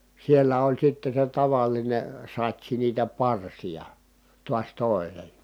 siellä oli sitten se tavallinen satsi niitä parsia taas toinen